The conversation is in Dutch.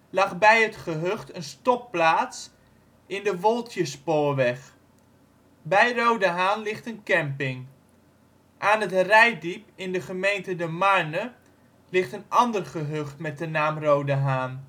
lag bij het gehucht een stopplaats in de Woldjerspoorweg. Bij Roodehaan ligt een camping. Aan het Reitdiep in de gemeente de Marne ligt een ander gehucht met de naam Roodehaan